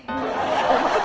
ủa